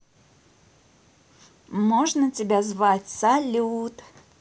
можно тебя звать салют